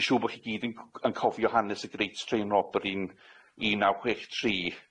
Dwi siŵr bo' chi gyd yn cw- yn cofio hanes y Great Train Robbery yn un naw chwech tri.